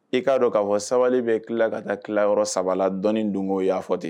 I k'a dɔn k'a fɔ sabali bɛ ki tila ka taa kiyɔrɔ saba la dɔn dun o y'a fɔ ten